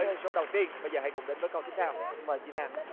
với ô số đầu tiên bây giờ hãy đến với ô tiếp theo xin mời linh đan